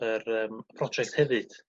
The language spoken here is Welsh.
yr yym project hefyd?